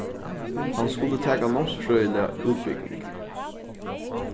hann skuldi taka námsfrøðiliga útbúgving